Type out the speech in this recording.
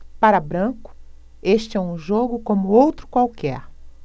para branco este é um jogo como outro qualquer